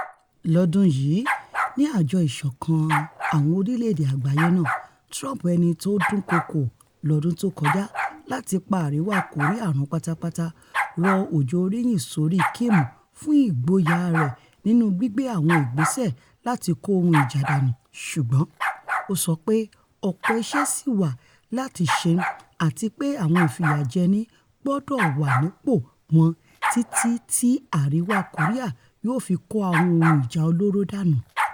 Lọ́dún yìí ní Àjọ Ìṣọ̀kan Àwọn orílẹ̀-èdè Àgbáyé náà, Trump, ẹnití ó dúnkòokó lọ́dún tókọjá láti ''pa Àríwá Kòríà run pátápátá'', rọ òjò oríyìn sórí Kim fún ìgboyà rẹ̀ Nínú gbìgbé àwọn ìgbẹ́sẹ̀ láti kó ohun ìjà dànù, ṣùgbọ́n ó sọ pé ọ̀pọ̀ iṣẹ́ sí wà láti ṣe àtipé àwọn ìfìyàjẹni gbọ̀dọ̀ wànípò wọn títí ti Àríwá Kòríà yóò fi kó àwọn ohun ìjà olóró dànù.